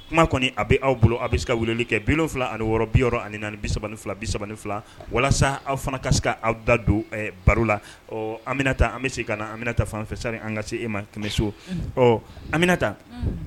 Kuma kɔni a bɛ aw bolo a' bɛ se ka weleli 76 64 32 32 walasa aw fana ka se ka aw da don baro la, ɔ Aminata an bɛ segin ka na Aminata fanfɛ sani an ka se e ma Kɛmɛso. Unhun. Ɔ Aminata. Hun